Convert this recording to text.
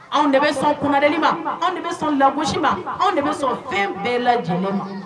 Anw de bɛ sɔn kunnale ma anw de bɛ sɔn lagosi ma anw de bɛ sɔn fɛn bɛɛ lajɛlen ma